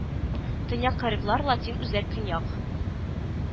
Төньяк Кариблар Латин Үзәк Көньяк